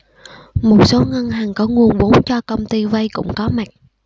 một số ngân hàng có nguồn vốn cho công ty vay cũng có mặt